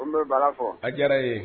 Ko nbe Bala fɔ a diyara ye